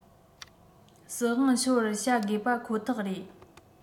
སྲིད དབང ཤོར བར བྱ དགོས པ ཁོ ཐག རེད